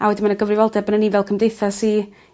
A wedyn ma' 'na gyfrifoldeb arnon ni fel cymdeithas i